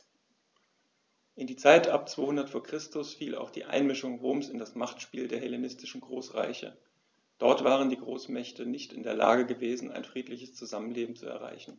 In die Zeit ab 200 v. Chr. fiel auch die Einmischung Roms in das Machtspiel der hellenistischen Großreiche: Dort waren die Großmächte nicht in der Lage gewesen, ein friedliches Zusammenleben zu erreichen.